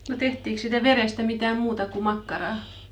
no tehtiinkös siitä verestä mitään muuta kuin makkaraa